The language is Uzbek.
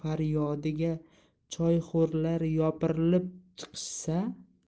faryodiga choyxo'rlar yopirilib chiqishsa